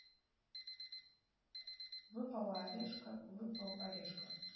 выпала орешка выпал орешка